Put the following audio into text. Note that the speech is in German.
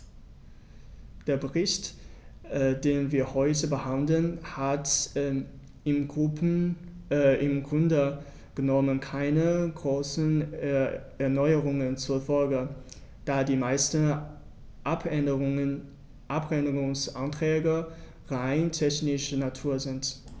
Der Bericht, den wir heute behandeln, hat im Grunde genommen keine großen Erneuerungen zur Folge, da die meisten Abänderungsanträge rein technischer Natur sind.